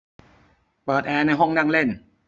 เปิดแอร์ในห้องนั่งเล่น